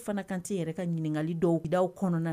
U fana kan tɛ yɛrɛ ka ɲininkakali dɔwda kɔnɔna